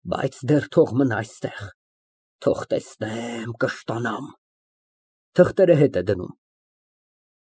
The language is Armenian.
Բայց դեռ թող մնա այստեղ, թող տեսնեմ, կշտանամ։ (Թղթերը հետ է դնում)։